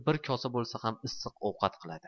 bir kosa bo'lsa ham issiq ovqat qiladi